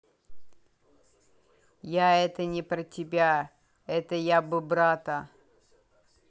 я это не про тебя это я бы брата